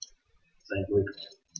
Sei ruhig.